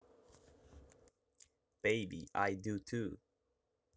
baby i do to